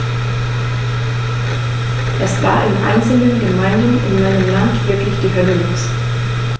Es war in einzelnen Gemeinden in meinem Land wirklich die Hölle los.